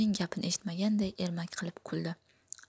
uning gapini eshitmaganday ermak qilib kuldi